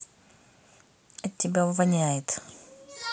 от тебя воняет